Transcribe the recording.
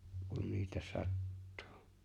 kun niitä sattuu